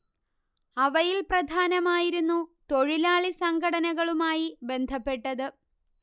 അവയിൽ പ്രധാനമായിരുന്നു തൊഴിലാളി സംഘടനകളുമായി ബന്ധപ്പെട്ടത്